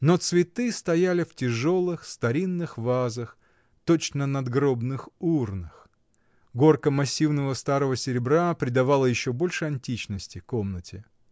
Но цветы стояли в тяжелых, старинных вазах, точно надгробных урнах, горка массивного старого серебра придавала еще больше античности комнате.